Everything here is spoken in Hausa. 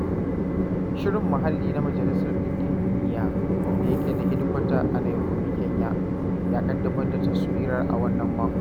Shirin Muhalli na Majalisar Ɗinkin Duniya, da yake da hedikwata a Nairobi, Kenya ya ƙaddamar da taswirar a wannan makon.